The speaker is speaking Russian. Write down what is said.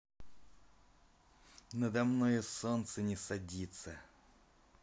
надо мною солнце не садится